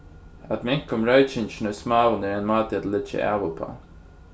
at minka um roykingina í smáum er ein máti at leggja av uppá